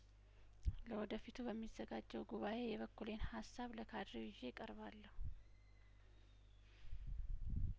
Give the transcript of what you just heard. ለወደፊቱ በሚዘጋጀው ጉባኤ የበኩሌን ሀሳብ ለካድሬው ይዤ እቀርባለሁ